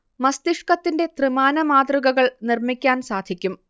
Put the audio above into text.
മസ്തിഷ്കത്തിന്റെ ത്രിമാന മാതൃകകൾ നിർമ്മിക്കാൻ സാധിക്കും